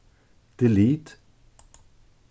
delete